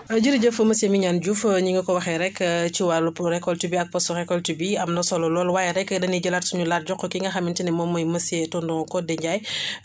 jërëjëf monsieur Mignane Diouf ni nga ko waxee rek ci wàllub récolte bi ak post récolte bi am na solo lool waaye rek dañuy jëlaat suñu laaj jox ko ki nga xamante ni moom mooy monsieur tonton Codé Ndiaye